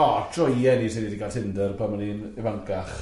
O, joie ni se ni di cael Tinder pan o'n i'n ifancach.